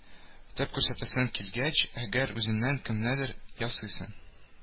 Тып күрсәтәсең килгәч, әгәр үзеңнән кемнәдер ясыйсың